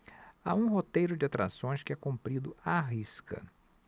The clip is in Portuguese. há um roteiro de atrações que é cumprido à risca